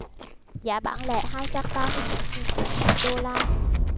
giá bán lẻ hai trăm ba mươi chín nghìn bốn trăm đô la